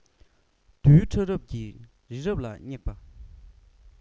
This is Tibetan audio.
རྡུལ ཕྲ རབ ཀྱིས རི རབ ལ བསྙེགས པ དང